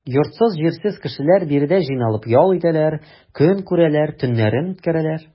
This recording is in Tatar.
Йортсыз-җирсез кешеләр биредә җыйналып ял итәләр, көн күрәләр, төннәрен үткәрәләр.